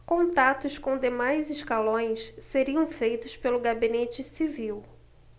contatos com demais escalões seriam feitos pelo gabinete civil